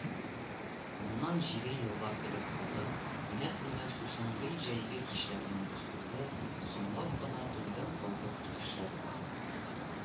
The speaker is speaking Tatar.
Моннан җиде еллап элек булыр, нәкъ менә шушындый җәйге кичләрнең берсендә, соңлап кына туйдан кайтып килешләре иде